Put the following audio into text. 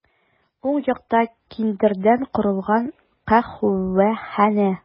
Уң якта киндердән корылган каһвәханә.